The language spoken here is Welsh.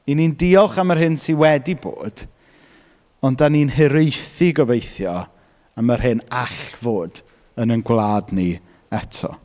‘Y ni'n diolch am yr hyn sydd wedi bod, ond dan ni'n hiraethu, gobeithio, am yr hyn all fod yn ein gwlad ni eto.